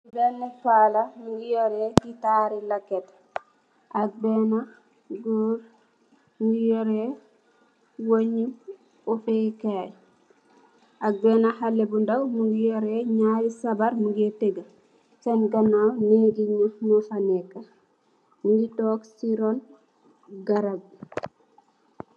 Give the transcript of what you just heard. Benu pala munge yurreh getari leket ak munge yurreh wunj nyi opeh kai ak bena haleh bu ndaw munge yurreh nyari aye sabarr de taguh